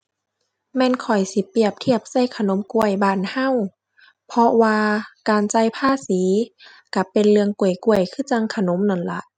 แม่นข้อยสิเปรียบเทียบใส่ขนมกล้วยบ้านเรา เพราะว่าการจ่ายภาษีเราเป็นเรื่องกล้วยกล้วยคือจั่งขนมนั่นล่ะ